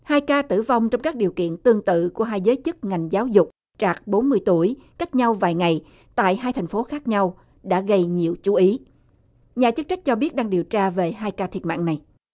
hai ca tử vong trong các điều kiện tương tự của hai giới chức ngành giáo dục trạc bốn mươi tuổi cách nhau vài ngày tại hai thành phố khác nhau đã gây nhiều chú ý nhà chức trách cho biết đang điều tra về hai ca thiệt mạng này